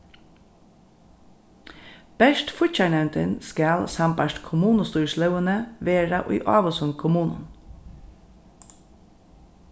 bert fíggjarnevndin skal sambært kommunustýrislógini vera í ávísum kommunum